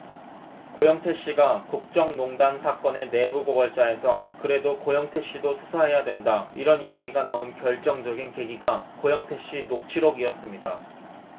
고영태 씨가 국정농단 사건의 내부 고발자에서 그래도 고영태 씨도 수사해야 된다 이런 이야기가 나온 결정적인 계기가 고영태 씨 녹취록이었습니다